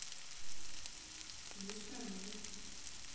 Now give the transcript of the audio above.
ну исправляй